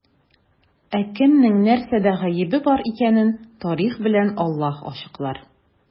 Ә кемнең нәрсәдә гаебе бар икәнен тарих белән Аллаһ ачыклар.